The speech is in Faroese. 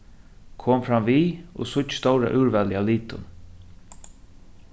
kom framvið og síggj stóra úrvalið av litum